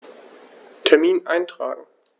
Termin eintragen